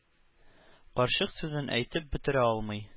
Карчык сүзен әйтеп бетерә алмый.